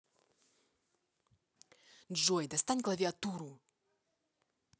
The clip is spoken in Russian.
джой достань клавиатуру